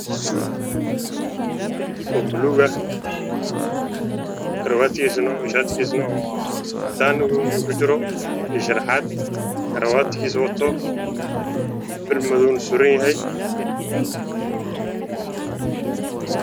Meeshaan waxaa yaalo sii buluug ah oo shaatigiisa caddaalad ku dhex jiro waxaana ka dambeeyay